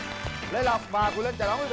lộc và quyền linh chào đón